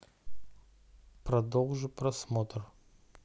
продолжи просмотр